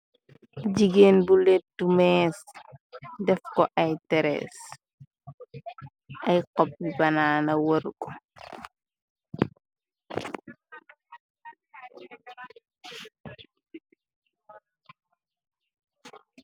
Jigéen bu lettu mees, def ko ay terees, ay xop banaana wër ko.